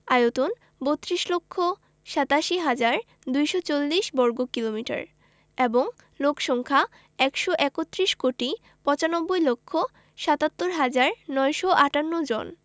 আয়তন ৩২ লক্ষ ৮৭ হাজার ২৪০ বর্গ কিমি এবং লোক সংখ্যা ১৩১ কোটি ৯৫ লক্ষ ৭৭ হাজার ৯৫৮ জন